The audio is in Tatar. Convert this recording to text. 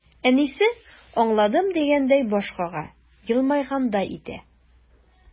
Әнисе, аңладым дигәндәй баш кага, елмайгандай итә.